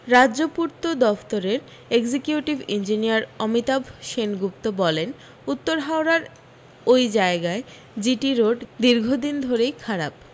রাজ্য পূর্ত দফতরের এগজিকিউটিভ ইঞ্জিনিয়ার অমিতাভ সেনগুপ্ত বলেন উত্তর হাওড়ার ওই জায়গায় জিটি রোড দীর্ঘ দিন ধরেই খারাপ